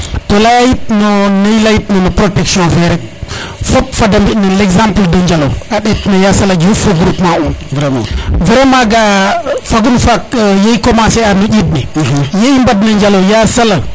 to leya it no ne i leyit na no protection fe rek fop fata mbi no l' exemple de Ndialo a ndet no Ya Sala Diouf fo groupement um vraiment ga a fangun faak ye i commencer a no ƴiƴ ne ye i mband na Njalo ya Sala